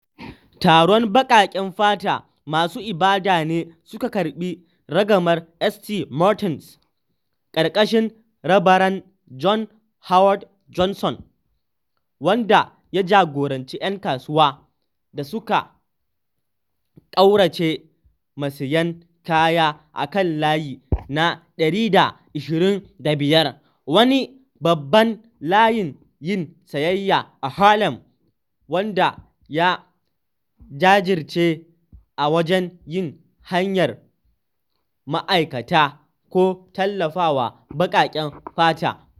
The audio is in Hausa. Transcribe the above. Taron baƙaƙen fata masu ibada ne suka karɓe ragamar St. Martin’s a ƙarƙashin Rabaran John Howard Johnson, wanda ya jagoranci ‘yan kasuwa da su ƙaurace ma sayen kaya a kan layi na 125, wani babban layin yin sayayya a Harlem, wanda ya jajirce a wajen yin hayar ma’aikata ko tallafawa baƙaƙen fata.